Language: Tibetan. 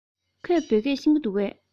ཁོས བོད སྐད ཤེས ཀྱི འདུག གས